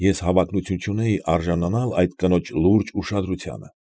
Ես հավակնություն չունեի արժանանալ այդ կնոջ լուրջ ուշադրությանը։